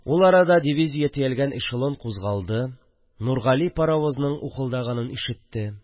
Ул арада дивизия төялгән эшелон кузгалды, Нургали паровозның ухылдаганын ишетте